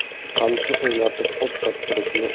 qamchi o'ynatib ot choptirishni